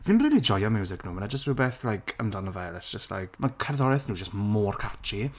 Fi'n rili joio miwsig nhw, mae 'na jyst rywbeth like amdano fe that's just like ma' cerddoriaeth nhw jyst mor catchy